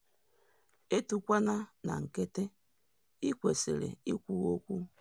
Etukwuna na nkịtị - ị kwesịrị ikwu okwu.”